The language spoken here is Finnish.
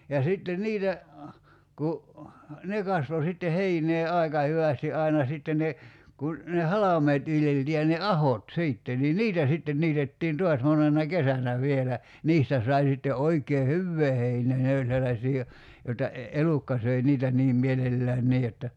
ja sitten niitä kun ne kasvoi sitten heinää aika hyvästi aina sitten ne kun ne halmeet viljeltiin ja ne ahot sitten niin niitä sitten niitettiin taas monena kesänä vielä niistä sai sitten oikein hyvää heinää ne oli sellaisia - joita - elukka söi niitä niin mielellään niin jotta